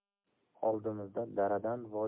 oldimizda daradan vodiyga